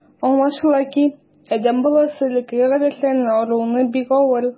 Аңлашыла ки, адәм баласына элекке гадәтләреннән арыну бик авыр.